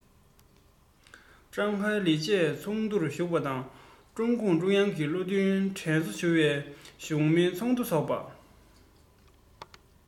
ཀྲང ཀའོ ལི བཅས ཚོགས འདུར ཞུགས པ དང ཀྲུང གུང ཀྲུང དབྱང གིས བློ མཐུན དྲན གསོ ཞུ བའི བཞུགས མོལ ཚོགས འདུ འཚོགས པ